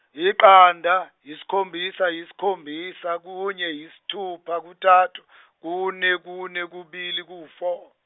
yiqanda isikhombisa isikhombisa kunye isithupha kuthathu , kune kune kubili ku- four.